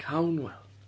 Cawn weld.